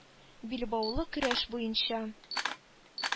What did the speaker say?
Билбаулы көрәш буенча